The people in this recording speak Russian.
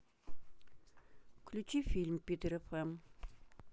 включи фильм питер фм